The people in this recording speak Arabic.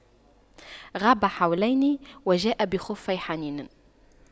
غاب حولين وجاء بِخُفَّيْ حنين